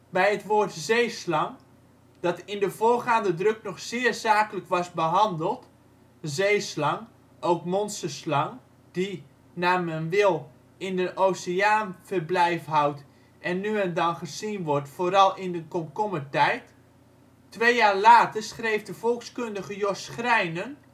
bij het woord zeeslang, dat in de voorgaande druk nog zeer zakelijk was behandeld: ‘Zeeslang, ook monsterslang, die, naar men wil, in den oceaan verblijf houdt en nu en dan gezien wordt, vooral in den komkommertijd.’ Twee jaar later schreef de volkskundige Jos Schrijnen